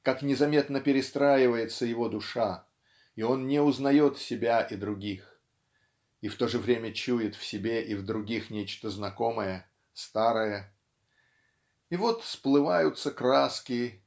как незаметно перестраивается его душа и он не узнает себя и других и в то же время чует в себе и в других нечто знакомое старое и вот сплываются краски